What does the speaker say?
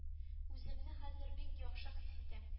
Үземне хәзер бик яхшы хис итәм